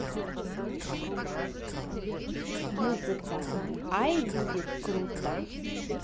музыка ай будет круто